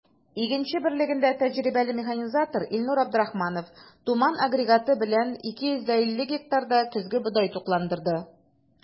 “игенче” берлегендә тәҗрибәле механизатор илнур абдрахманов “туман” агрегаты белән 250 гектарда көзге бодай тукландырды.